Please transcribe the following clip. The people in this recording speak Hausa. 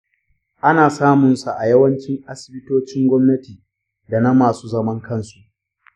ana samun sa a yawancin asibitocin gwamnati da na masu zaman kansu.